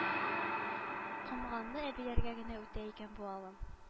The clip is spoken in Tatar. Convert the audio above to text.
Комганлы әбиләргә генә үтә икән бу алым